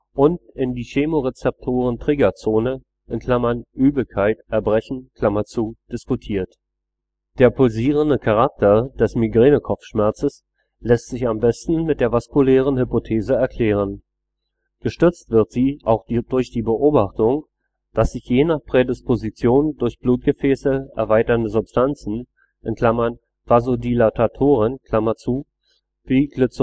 und in die Chemorezeptoren-Triggerzone (Übelkeit, Erbrechen) diskutiert. Der pulsierende Charakter des Migränekopfschmerzes lässt sich am besten mit der vaskulären Hypothese erklären. Gestützt wird sie auch durch die Beobachtung, dass sich je nach Prädisposition durch Blutgefäße erweiternde Substanzen (Vasodilatatoren), wie Glyceroltrinitrat